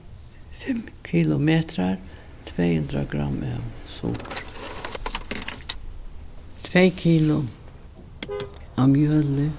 fimm kilometrar tvey hundrað gramm av sukur tvey kilo av mjøli